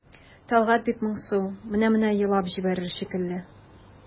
Тәлгать бик моңсу, менә-менә елап җибәрер шикелле.